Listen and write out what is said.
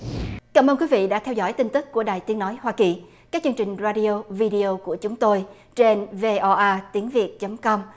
cảm ơn quý vị đã theo dõi tin tức của đài tiếng nói hoa kỳ các chương trình ra đi ô vi đê ô của chúng tôi trên vê o a tiếng việt chấm com